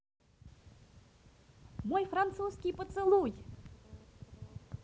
мой французский поцелуй